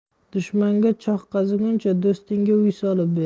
dushmanga choh qaziguncha do'stingga uy solib ber